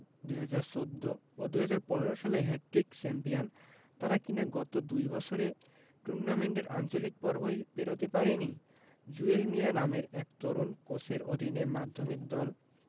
২০১৪ ও ২০১৫ সালে hat trick champion তারা কিনা গত দুই বছরে টুর্নামেন্টের আঞ্চলিক পর্বই পেরোতে পারেনি জুয়েল মিয়া নামের এক তরুণ কোচের অধীনে মাধ্যমিক দল